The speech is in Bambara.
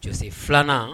J filanan